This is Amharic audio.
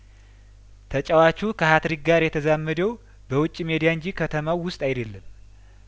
ተጫዋቹ ከሀ ትሪክ ጋር የተዛመደው በውጪ ሜዳ እንጂ ከተማው ውስጥ አይደለም